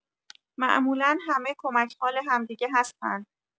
معمولا همه کمک‌حال همدیگه هستن.